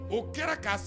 O kɛra k'a